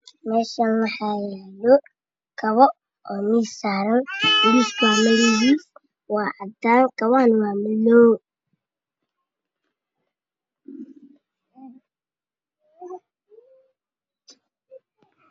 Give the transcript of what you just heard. Meeshaan waxa yaallo kabo oo miis saaran miiska midabkiisu waa caddaan kabahana waa madow